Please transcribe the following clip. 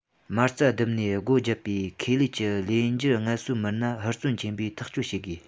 མ རྩ རྡིབ ནས སྒོ བརྒྱབ པའི ཁེ ལས ཀྱི ལས འཁྱུར ངལ གསོའི མི སྣ ཧུར བརྩོན ཆེན པོས ཐག གཅོད བྱ དགོས